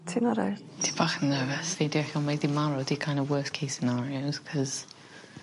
Ti'n o'reit? Dwi bach yn nervous fi deall 'di marw 'di kin' o' worst case scenarios 'c'os